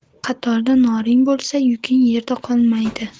qatorda noring bo'lsa yuking yerda qolmaydi